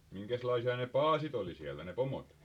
minkäslaisia ne paasit oli siellä ne pomot